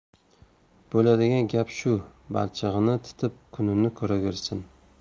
bo'ladigan gap shu balchig'ini titib kunini ko'raversin